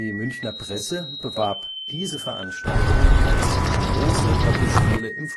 Münchner Presse bewarb diese Veranstaltungen als „ Große Doppelspiele im